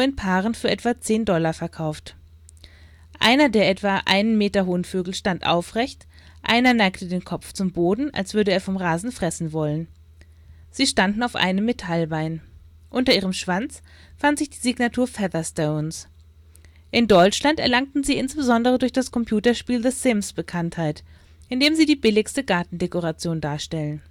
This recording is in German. Paaren für etwa 10 Dollar verkauft. Einer der etwa einen Meter hohen Vögel stand aufrecht, einer neigte den Kopf zum Boden, als würde er vom Rasen fressen wollen. Sie standen auf einem Metallbein. Unter ihrem Schwanz fand sich die Signatur Featherstones. In Deutschland erlangten sie insbesondere durch das Computerspiel The Sims Bekanntheit, in dem sie die billigste Gartendekoration darstellen